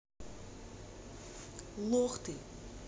лох ты